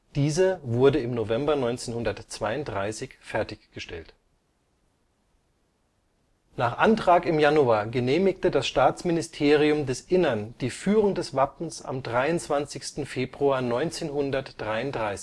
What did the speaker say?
dieser im November 1932 fertigstellte. Nach Antrag im Januar genehmigte das Staatsministerium des Inneren die Führung des Wappens am 23. Februar 1933